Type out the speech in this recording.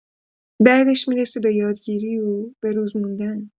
بعدش می‌رسی به یادگیری و به‌روز موندن.